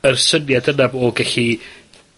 Mae'r syniad yna o gellu